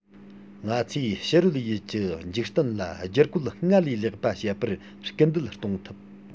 ང ཚོས ཕྱི རོལ ཡུལ གྱི འཇིག རྟེན ལ བསྒྱུར བཀོད སྔར ལས ལེགས པ བྱེད པར སྐུལ འདེད གཏོང ཐུབ